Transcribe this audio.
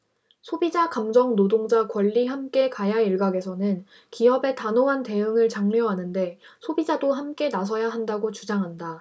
소비자 감정노동자 권리 함께 가야일각에서는 기업의 단호한 대응을 장려하는데 소비자도 함께 나서야 한다고 주장한다